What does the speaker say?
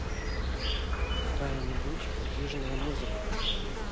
а какая нибудь подвижная музыка